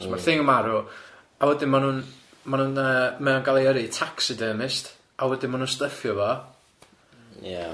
So ma'r thing yn marw, a wedyn ma' nhw'n, ma' nhw'n yy mae o'n gael ei yrru i taxidermist, a wedyn ma' nhw'n stuffio fo... Ie.